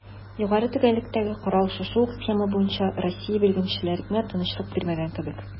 Югары төгәллектәге корал шушы ук схема буенча Россия белгечләренә тынычлык бирмәгән кебек: